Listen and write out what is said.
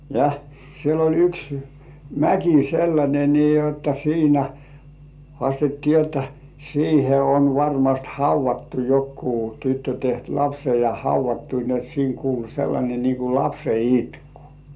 ja siellä oli yksi mäki sellainen niin jotta siinä haastettiin jotta siihen on varmasti haudattu joku tyttö tehnyt lapsen ja haudattu niin jotta siinä kuului sellainen niin kuin lapsen itku